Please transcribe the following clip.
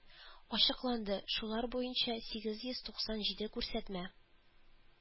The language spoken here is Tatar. Ачыкланды, шулар буенча сигез йөз туксан җиде күрсәтмә